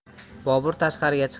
bobur tashqariga chiqdi